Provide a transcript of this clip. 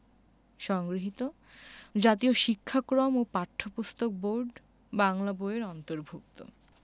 সংগৃহীত জাতীয় শিক্ষাক্রম ও পাঠ্যপুস্তক বোর্ড বাংলা বই এর অন্তর্ভুক্ত